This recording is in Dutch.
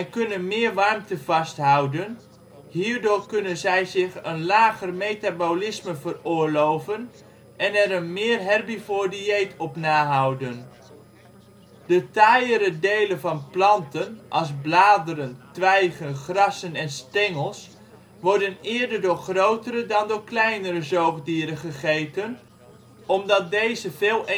kunnen meer warmte vasthouden. Hierdoor kunnen zij zich een lager metabolisme veroorloven en er een meer herbivoor dieet op na houden. De taaiere delen van planten, als bladeren, twijgen, grassen en stengels, worden eerder door grotere dan door kleinere zoogdieren gegeten, omdat deze veel